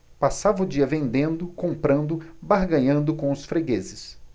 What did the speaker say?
passava o dia vendendo comprando barganhando com os fregueses